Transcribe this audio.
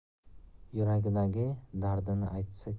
yuragidagi dardini aytsa